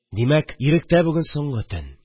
Димәк, иректә бүген соңгы төн